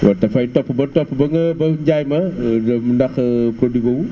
dafay topp ba topp ba nga njaay ma ndax produit boobuu